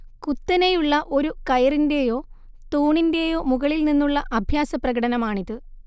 കുത്തനെയുള്ള ഒരു കയറിൻറെയോ തൂണിൻറെയോ മുകളിൽ നിന്നുള്ള അഭ്യാസപ്രകടനമാണിത്